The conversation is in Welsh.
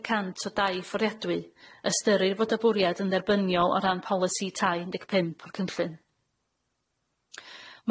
y cant o dau fforiadwy ystyrir fod y bwriad yn dderbyniol o ran polisi tai un deg pump y cynllun.